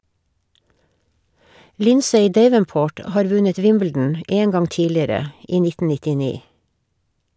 Lindsay Davenport har vunnet Wimbledon en gang tidligere - i 1999.